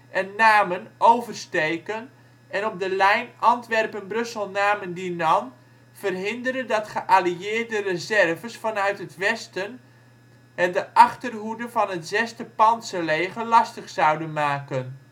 en Namen oversteken en op de lijn Antwerpen-Brussel-Namen-Dinant verhinderen dat geallieerde reserves vanuit het westen het de achterhoede van het 6e pantserleger lastig zouden maken